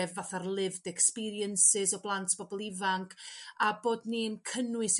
sef fatha'r lived experiences o blant bobol ifanc a bod ni yn cynnwys eu